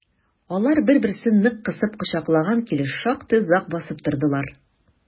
Алар бер-берсен нык кысып кочаклаган килеш шактый озак басып тордылар.